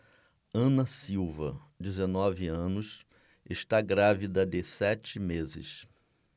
ana silva dezenove anos está grávida de sete meses